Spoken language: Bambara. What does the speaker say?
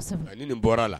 Kosɛbɛ. Ni nin bɔr'a la